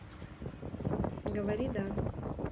говори да